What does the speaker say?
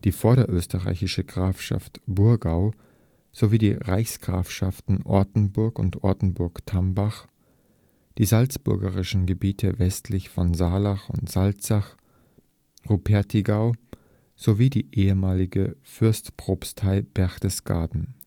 vorderösterreichische Grafschaft Burgau, sowie die Reichsgrafschaften Ortenburg und Ortenburg-Tambach. die salzburgischen Gebiete westlich von Saalach und Salzach (Rupertigau) sowie die ehemalige Fürstpropstei Berchtesgaden